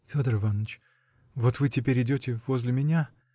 -- Федор Иваныч, вот вы теперь идете возле меня.